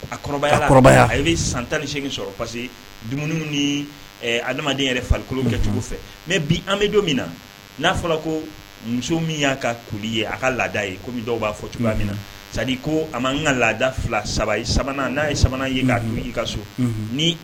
San tan adama farikolo kɛcogo fɛ mɛ bi an don min na n'a fɔra ko muso min y'a ka kuli ye a ka laada ye kɔmi dɔw b'a fɔ cogoya min ko a'an ka laada fila saba sabanan n'a ye sabanan ye i ka so